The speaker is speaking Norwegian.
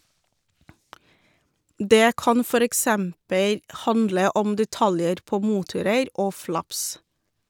Det kan for eksempel handle om detaljer på motorer og flaps.